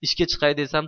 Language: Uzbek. ishga chiqay desam